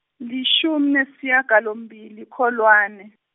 lishumi nesishiyagalombili Kholwane.